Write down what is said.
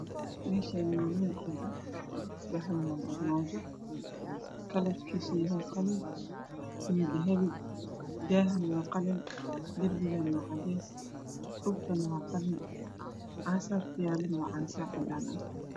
Meshan waa mel qolah waxa yalo armaajo kalarkis yahay qalin io dahbi dahna waa qalin dirbigan waa cades dhulkan waa qalin cagasart talo waa cagsar cadan ah